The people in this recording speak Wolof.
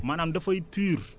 maanaam dafay pur